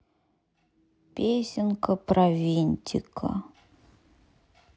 песенка про винтика